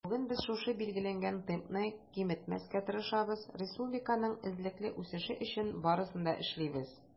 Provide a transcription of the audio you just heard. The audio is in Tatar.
Бүген без шушы билгеләнгән темпны киметмәскә тырышабыз, республиканың эзлекле үсеше өчен барысын да эшлибез.